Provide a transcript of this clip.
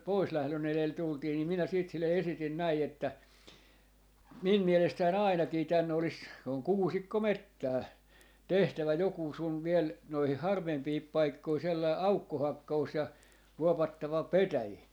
poislähdön elellä tultiin niin minä sitten sille esitin näin että minun mielestäni ainakin tänne olisi se on kuusikkometsää tehtävä joku sinun vielä noihin harvempiin paikkoihin sellainen aukkohakkaus ja vuovattava petäjiä